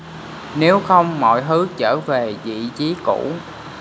nếu không mọi thứ trở về vị trí cũ